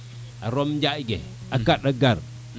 a rom njaaƴ ke a gar